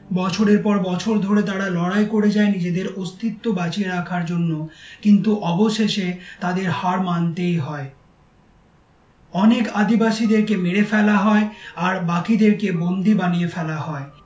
বছরের পর বছর ধরে তারা লড়াই করে যায় নিজেদের অস্তিত্ব বাঁচিয়ে রাখার জন্য কিন্তু অবশেষে তাদের হার মানতেই হয় অনেক আদিবাসীদের কে মেরে ফেলা হয় আর বাকিদেরকে বন্দি বানিয়ে ফেলা হয়